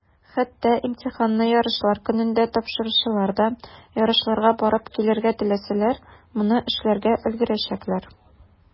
Хәтта имтиханны ярышлар көнендә тапшыручылар да, ярышларга барып килергә теләсәләр, моны эшләргә өлгерәчәкләр.